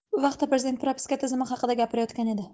bu vaqtda prezident propiska tizimi haqida gapirayotgan edi